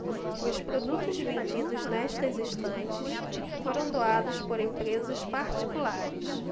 os produtos vendidos nestas estantes foram doados por empresas particulares